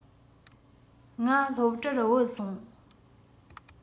ང སློབ གྲྭར བུད སོང